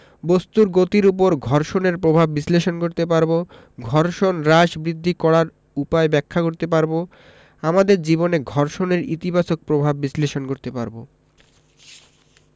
বস্তুর গতির উপর ঘর্ষণের প্রভাব বিশ্লেষণ করতে পারব ঘর্ষণ হ্রাস বৃদ্ধি করার উপায় ব্যাখ্যা করতে পারব আমাদের জীবনে ঘর্ষণের ইতিবাচক প্রভাব বিশ্লেষণ করতে পারব